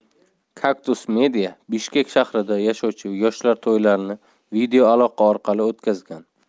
kaktus media bishkek shahrida yashovchi yoshlar to'ylarini videoaloqa orqali o'tkazgan